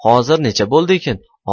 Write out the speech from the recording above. hozir necha bo'ldiykin